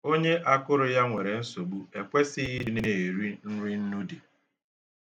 Onye akụrụ ya nwere nsogbu ekwesịghị ịdị na-eri nri nnu dị.